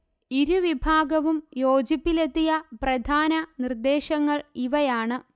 ഇരു വിഭാഗവും യോജിപ്പിലെത്തിയ പ്രധാന നിർദ്ദേശങ്ങൾ ഇവയാണ്